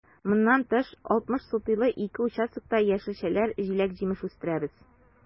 Моннан тыш, 60 сотыйлы ике участокта яшелчәләр, җиләк-җимеш үстерәбез.